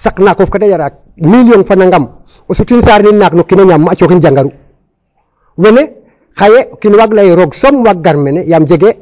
Saq naakof ke da njaraa million fo nangam o sutin naak no kiin a ñaamaa a cooxin jangaru wene xaye o kiin waag lay ee roog soom waag gar mene yaam jegee